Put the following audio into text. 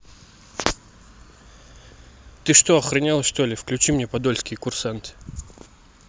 ты что охренела что ли включи мне подольские курсанты